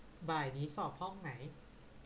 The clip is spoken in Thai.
บ่ายนี้สอบห้องไหน